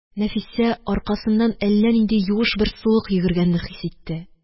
Нәфисә аркасыннан әллә нинди юеш бер суык йөгергәнне хис итте